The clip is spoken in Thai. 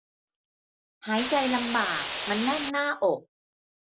หายใจลำบากมันแน่นหน้าอก